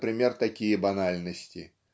например, такие банальности